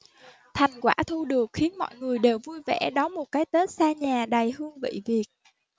thành quả thu được khiến mọi người đều vui vẻ đón một cái tết xa nhà đầy hương vị việt